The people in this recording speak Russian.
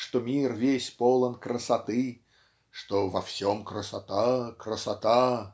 что мир весь полон красоты что "во всем красота красота"